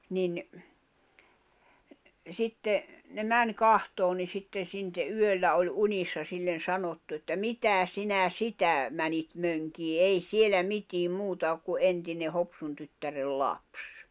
niin sitten ne meni katsomaan niin sitten sitten yöllä oli unissa sille sanottu että mitä sinä sitä meni mönkimään ei siellä mitään muuta ole kuin entinen Hopsun tyttären lapsi